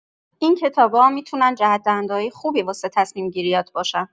این کتابا می‌تونن جهت‌دهنده‌های خوبی واسه تصمیم‌گیری‌هات باشن.